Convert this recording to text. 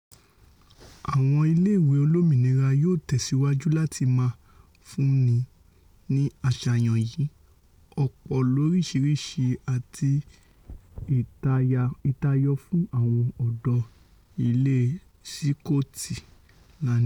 Àwọn ilé ìwé olómìnira yóò tẹ̀síwájú láti máa fúnni ní àṣàyàn yìí, ọ̀pọ̀ lóríṣiríṣi àti ìtayọ fún àwọn ọ̀dọ́ ilẹ̀ Sikotilandi.